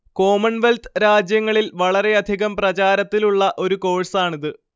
Commonwealth രാജ്യങ്ങളിൽ വളരെയധികം പ്രചാരത്തിലുള്ള ഒരു കോഴ്സാണിത്